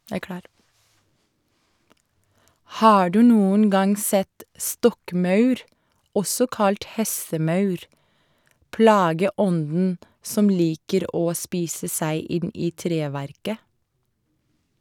Har du noen gang sett stokkmaur, også kalt hestemaur, plageånden som liker å spise seg inn i treverket?